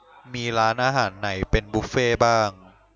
มีร้านอาหารไหนเป็นบุฟเฟต์บ้าง